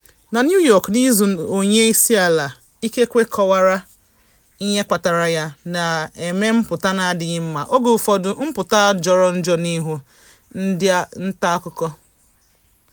Na New York n’izu a onye isi ala ikekwe kọwara ihe kpatara ya, na eme mpụta na adịghị mma, oge ụfọdụ mpụta jọrọ njọ n’ihu ndị nta akụkọ.